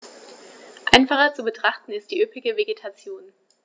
Einfacher zu betrachten ist die üppige Vegetation.